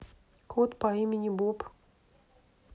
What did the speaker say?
кот по имени боб